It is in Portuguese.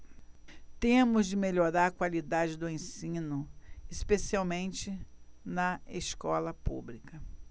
temos de melhorar a qualidade do ensino especialmente na escola pública